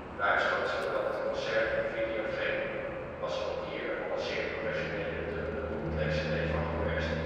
Ruimschoots voordat het concert op video verscheen was ook hier al een zeer professionele dubbele bootleg-cd van geperst